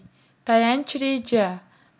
tayanch reja